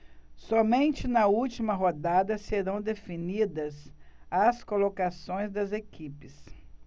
somente na última rodada serão definidas as colocações das equipes